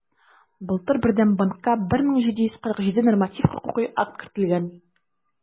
Былтыр Бердәм банкка 1747 норматив хокукый акт кертелгән.